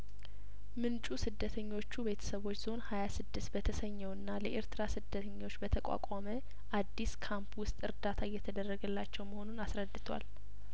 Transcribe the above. ምንጩ ስደተኞቹ ቤተሰቦች ዞን ሀያ ስድስት በተሰኘውና ለኤርትራ ስደተኞች በተቋቋመ አዲስ ካምፕ ውስጥ እርዳታ እየተደረገላቸው መሆኑን አስረድቷል